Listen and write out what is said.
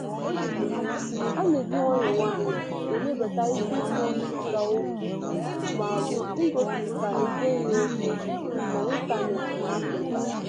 A na-eji nwayọọ nwayọọ ebelata ikike nkwupụta okwu mọọbụ ngosipụta ekweghị ekwe na ịntaneetị n'Afrịka.